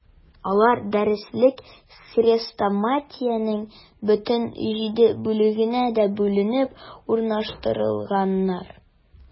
Алар дәреслек-хрестоматиянең бөтен җиде бүлегенә дә бүленеп урнаштырылганнар.